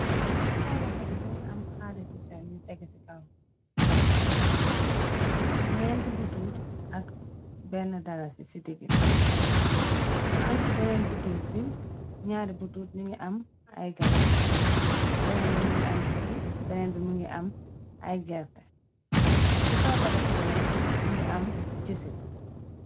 Ci kaw loxobi mi ngi am xaalis ci sew yu teg ci kaw 4ent butuut ak benne dala ci diggi mu am ci beneen butuut bi ñyaari butuut ñu ngi am ay garap beneen bi mi ngi am picc bennen bi mu am aygerte ci kaw dala ci bi nak mi ngi am jëseet.